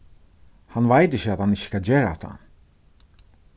hann veit ikki at hann ikki skal gera hatta